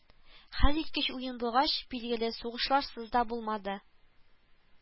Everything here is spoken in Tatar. Хәлиткеч уен булгач, билгеле сугышларсыз да булмады